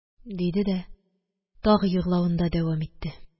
Диде дә тагы еглавында дәвам итте